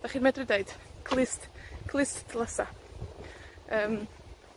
'dach chi'n medru deud clust, clustlysa. Yym.